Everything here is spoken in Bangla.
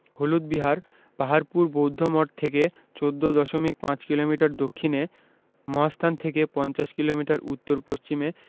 হলুদ বিহার পাহাড়পুর বৌদ্ধমঠ থেকে ১৪দশমিক ৫ কিলোমিটার দক্ষিণে মহাস্থান থেকে পঞ্চাশ কিলোমিটার উত্তর পশ্চিমে